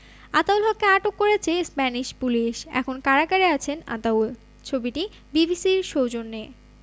আতাউল হককে আটক করেছে স্প্যানিশ পুলিশ এখন কারাগারে আছেন আতাউল ছবিটি বিবিসির সৌজন্যে